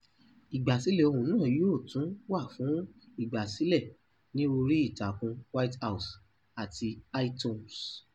Ìgbàsílẹ̀ ohùn náà yóò tún wà fún ìgbàsílẹ̀ ní orí ìtakùn White House àti iTunes.